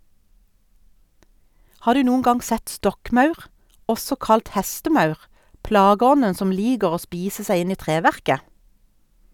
Har du noen gang sett stokkmaur, også kalt hestemaur, plageånden som liker å spise seg inn i treverket?